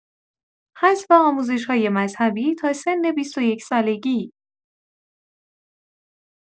حذف آموزش‌های مذهبی تا سن ۲۱ سالگی.